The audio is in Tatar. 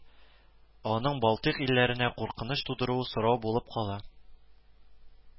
Аның Балтыйк илләренә куркыныч тудыруы сорау булып кала